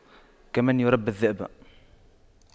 كمن يربي الذئب